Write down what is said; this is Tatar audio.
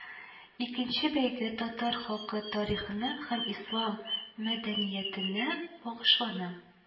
Икенче бәйге татар халкы тарихына һәм ислам мәдәниятенә багышлана